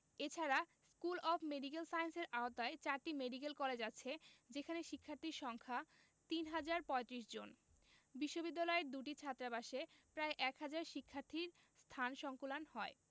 এছাড়া school of medical সায়েন্সের আওতায় চারটি মেডিক্যাল কলেজ আছে যেখানে শিক্ষার্থীর সংখ্যা ৩ হাজার ৩৫ জন বিশ্ববিদ্যালয়ের দুটি ছাত্রাবাসে প্রায় এক হাজার শিক্ষার্থীর স্থান সংকুলান হয়